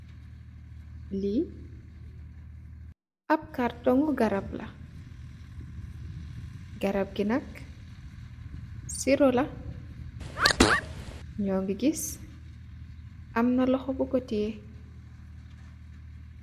Li ap kartungi garap la, garap ñi nak siro la, ñu geh gis am na loxo bu ko teyeh.